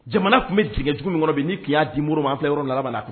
Jamana tun bɛ dingɛ jugu min kɔnɔ bi ni tun y'a di Moribo ma an filɛ yɔrɔ min na